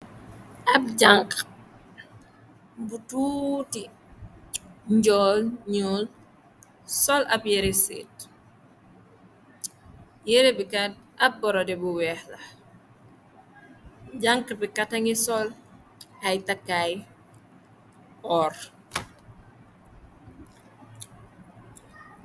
Ab jànk bu tuuti, njool, ñul sol ab yare séet. Yere bikat ab borodé bu weex la, jànka bi kat yangi sol ay takkaay oor.